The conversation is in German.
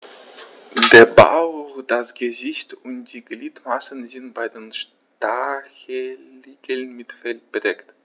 Der Bauch, das Gesicht und die Gliedmaßen sind bei den Stacheligeln mit Fell bedeckt.